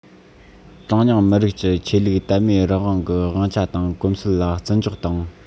གྲངས ཉུང མི རིགས ཀྱི ཆོས ལུགས དད མོས རང དབང གི དབང ཆ དང གོམས སྲོལ ལ བརྩི འཇོག དང